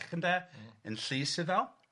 Yn llys iddaw. Ia.